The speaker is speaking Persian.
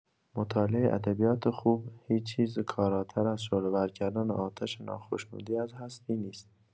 مطالعه ادبیات خوب هیچ‌چیز کاراتر از شعله‌ور کردن آتش ناخشنودی از هستی نیست.